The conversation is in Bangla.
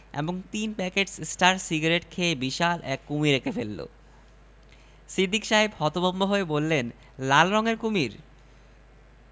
এটার লেজ কোথায় লেজ আছে লেজটা বেঁকিয়ে শরীরের পেছনে রেখেছে বলে আপনি দেখতে পাচ্ছেন না লেজটা বেঁকিয়ে শরীরের পেছনে কেন রাখল জানতে পারি